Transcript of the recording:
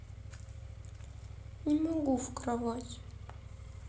не могу в кровать